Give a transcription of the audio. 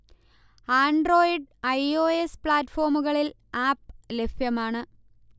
Android iOS. പ്ലാറ്റ്ഫോമുകളിൽ app ലഭ്യമാണ്